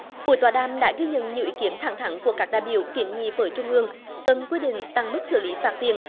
buổi tọa đàm đã ghi nhận nhiều ý kiến thẳng thắn của các đại biểu kiến nghị với trung ương cần quy định tăng mức xử lý phạt tiền